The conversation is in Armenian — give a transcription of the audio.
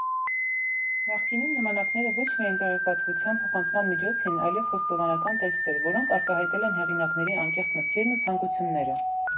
Նախկինում նամակները ոչ միայն տեղեկատվության փոխանցման միջոց էին, այլև խոստովանական տեքստեր, որոնք արտահայտել են հեղինակների անկեղծ մտքերն ու ցանկությունները։